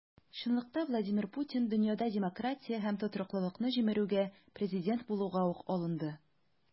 Чынлыкта Владимир Путин дөньяда демократия һәм тотрыклылыкны җимерүгә президент булуга ук алынды.